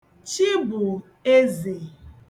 Chi bụ eze.